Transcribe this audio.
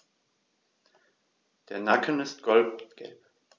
Der Nacken ist goldgelb.